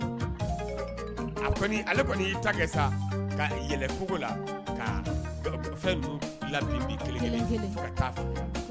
A kɔni ale kɔni ta sa yɛlɛ la k fɛn lam kelen kelen